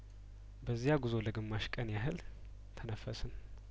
በዚያጉዞ ለግማሽ ቀን ያህል ተነፈስን